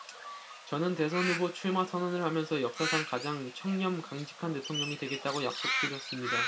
저는 대선 후보 출마 선언을 하면서 역사상 가장 청렴 강직한 대통령이 되겠다고 약속 드렸습니다